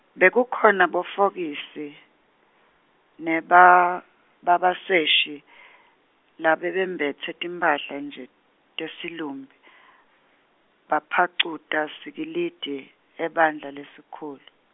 bekukhona bofokisi, neba- babaseshi- labembetse timphahla nje tesilumbi , baphacuta sikilidi ebandla lesikhulu.